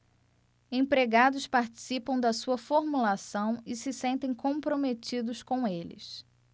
empregados participam da sua formulação e se sentem comprometidos com eles